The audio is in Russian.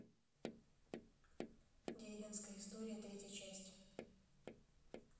деревенская история третья часть